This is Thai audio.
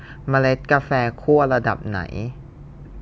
เมล็ดกาแฟคั่วระดับไหน